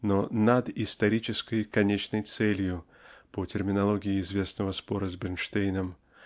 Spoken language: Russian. но над-исторической "конечною целью" (по терминологии известного спора с Бернштейном)